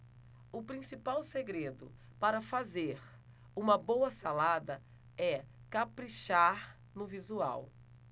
o principal segredo para fazer uma boa salada é caprichar no visual